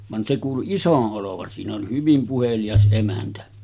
vaan se kuului iso olevan siinä oli hyvin puhelias emäntä